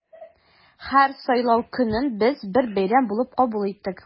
Һәр сайлау көнен без бер бәйрәм булып кабул иттек.